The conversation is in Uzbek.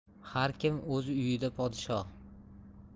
har kim o'z uyida podsho